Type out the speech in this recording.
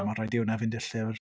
Ma' raid i hwnna fynd i'r llyfr.